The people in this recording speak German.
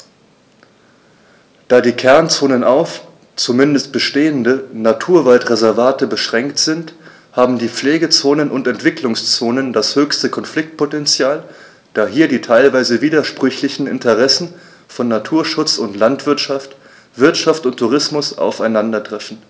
Da die Kernzonen auf – zumeist bestehende – Naturwaldreservate beschränkt sind, haben die Pflegezonen und Entwicklungszonen das höchste Konfliktpotential, da hier die teilweise widersprüchlichen Interessen von Naturschutz und Landwirtschaft, Wirtschaft und Tourismus aufeinandertreffen.